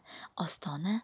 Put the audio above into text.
ostona bo'm bo'sh edi